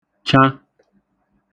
cḣa